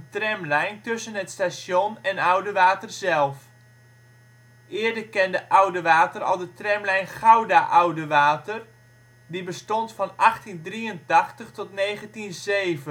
tramlijn tussen het station en Oudewater zelf. Eerder kende Oudewater al de tramlijn Gouda - Oudewater, die bestond van 1883 tot 1907